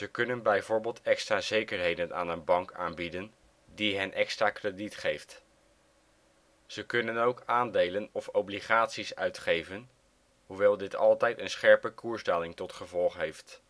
kunnen bijvoorbeeld extra zekerheden aan een bank aanbieden, die hen extra krediet geeft. Ze kunnen ook aandelen of obligaties uitgeven (hoewel dit altijd een scherpe koersdaling tot gevolg heeft